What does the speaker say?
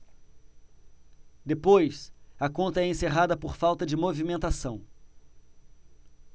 depois a conta é encerrada por falta de movimentação